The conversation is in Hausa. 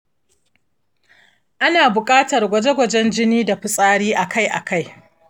ana buƙatar gwaje-gwajen jini da fitsari akai-akai